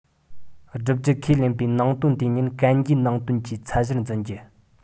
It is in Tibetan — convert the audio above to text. བསྒྱུབ རྒྱུ ཁས ལེན པའི ནང དོན དེ ཉིད གན རྒྱའི ནང དོན གྱི ཚད གཞིར འཛིན རྒྱུ